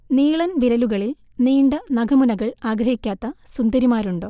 നീളൻ വിരലുകളിൽ നീണ്ട നഖമുനകൾ ആഗ്രഹിക്കാത്ത സുന്ദരിമാരുണ്ടോ